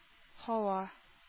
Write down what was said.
Һава